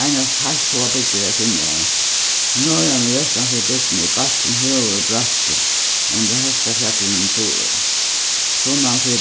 einast heilt fáar bygdir eru at finna har norðan og vestan fyri bygdina er bakkin høgur og brattur undir hægsta fjallinum í suðuroy sunnan fyri